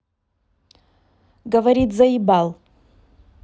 говорит заебал